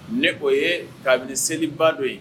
Ne ko ee ye kabini seliba dɔ in